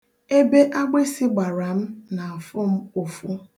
Ebe agbịsị gbara m na-afụ m ụfụ.